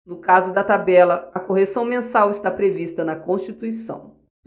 no caso da tabela a correção mensal está prevista na constituição